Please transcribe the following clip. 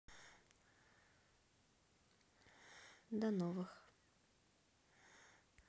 до новых